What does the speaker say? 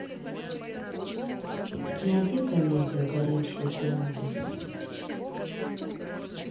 найди комедию горячие головы